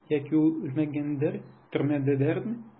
Яки ул үлмәгәндер, төрмәдәдер?